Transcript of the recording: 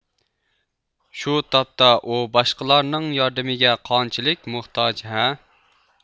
شۇ تاپتا ئۇ باشقىلارنىڭ ياردىمىگە قانچىلىك موھتاج ھە